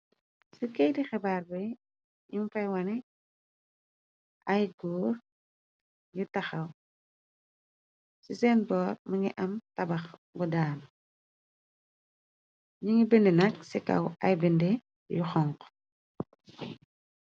Ci keyti xebaar be ñung fay wane ay goor yu taxaw ci sen borg më ngi am tabax bu daan ñu ngi binda nak ci kaw ay binde yu xonku.